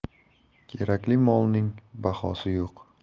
kerakli molning bahosi yo'q